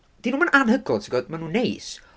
'Dyn nhw'm yn anhygoel ti gwbod? Ma' nw'n neis.